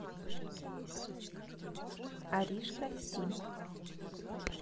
аришка сим